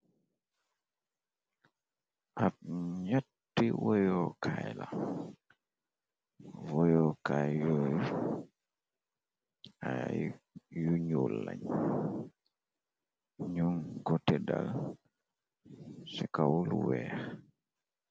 Ab ñjatti woyokaay la woyokay yor yu ay yu nyul lanj ñyung ko tedal ci kaw lu weex.